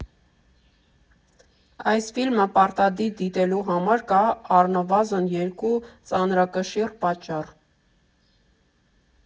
Այս ֆիլմը պարտադիր դիտելու համար կա առնվազն երկու ծանրակշիռ պատճառ.